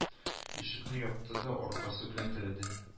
Ишекне япты да аркасы белән терәде